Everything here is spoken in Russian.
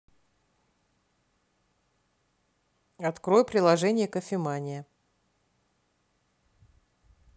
открой приложение кофемания